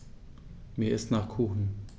Mir ist nach Kuchen.